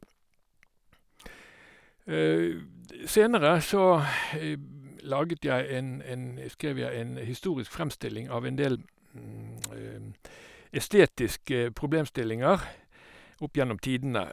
Senere så laget jeg en en e skrev jeg en historisk fremstilling av en del estetiske problemstillinger opp gjennom tidene.